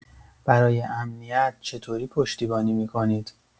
برای امنیت چه طوری پشتیبانی می‌کنید؟